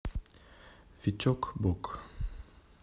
витек бог